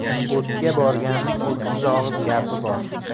o'tga borganning o'ttiz og'iz gapi bor